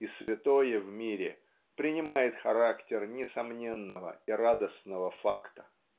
и святое в мире принимает характер несомненного и радостного факта.